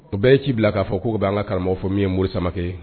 O bɛɛ ye ci bila k'a fɔ k' bɛ'an ka karamɔgɔw fɔ min ye muru sama kɛ